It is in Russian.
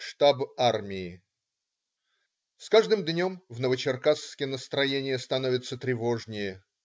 Штаб армии С каждым днем в Новочеркасске настроение становится тревожнее.